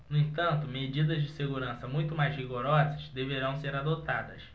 no entanto medidas de segurança muito mais rigorosas deverão ser adotadas